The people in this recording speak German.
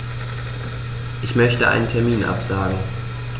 Ich möchte einen Termin absagen.